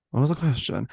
What was the question?